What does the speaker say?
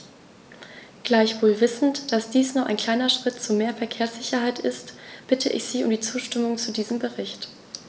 Gleichwohl wissend, dass dies nur ein kleiner Schritt zu mehr Verkehrssicherheit ist, bitte ich Sie um die Zustimmung zu diesem Bericht.